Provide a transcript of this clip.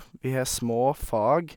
Vi har småfag.